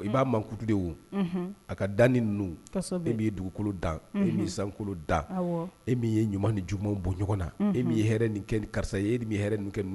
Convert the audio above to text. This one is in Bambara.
I b'a mantu a ka da ni ninnu e b' dugukolo da sankolo da e min ye ɲuman ni juma bɔ ɲɔgɔn na e min yeɛ nin kɛ ni karisa e ye nin kɛ